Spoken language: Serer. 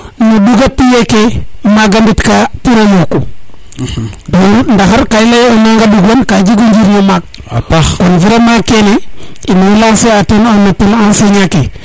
no ɗuga pieds ke maga ndetka pour o ŋoku donc ga i leye o nang ɗug wan ka jego o njiriño paak kon vraiment kene in way lancé a ten un appel no enseigant ke